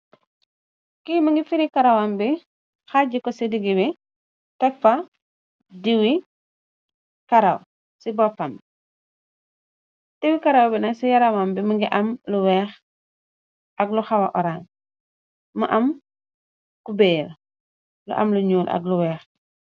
Kii mingi feeri kawaram ngi, xaaji ko si digg bi tef fa diwi karaw si boppam ni, diwi karawbi nak si yaramam bi mingi am lu weex, ak lu xawa orans, mu am kubeer, mu am lu nyuul ak lu weex.